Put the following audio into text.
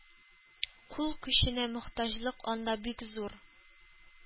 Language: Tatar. Кул көченә мохтаҗлык анда бик зур.